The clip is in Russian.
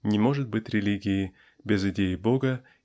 Не может быть религии без идеи Бога